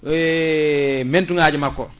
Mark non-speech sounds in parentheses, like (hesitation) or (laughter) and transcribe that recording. (hesitation) mentongaji makko